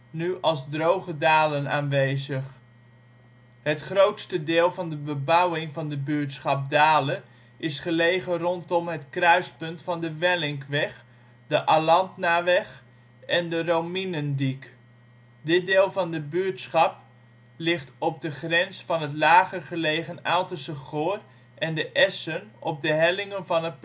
nu als droge dalen aanwezig. Het grootste deel van de bebouwing van de buurtschap Dale is gelegen rondom het kruispunt van de Wellinkweg, de Aladnaweg en de Romienendiek. Dit deel van de buurtschap ligt op de grens van het lager gelegen Aaltense Goor en de essen op de hellingen van het